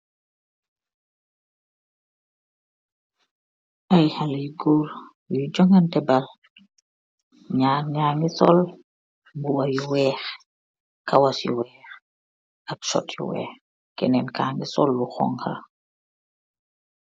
Ay hale wu gor yi jongante bal ñar ñagi sol mbuba yu wéx kawas yu wéx ak sot yu wéx kenen kangi sol lu xongxa .